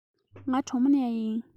ང གྲོ མོ ནས ཡིན